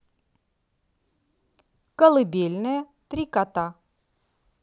колыбельная три кота